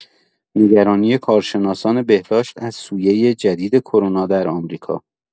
نگرانی کارشناسان بهداشت از سویه جدید کرونا در آمریکا